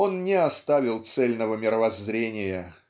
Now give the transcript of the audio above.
Он не оставил цельного мировоззрения